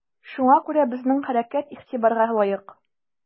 Шуңа күрә безнең хәрәкәт игътибарга лаек.